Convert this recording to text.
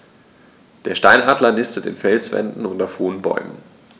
Der Steinadler nistet in Felswänden und auf hohen Bäumen.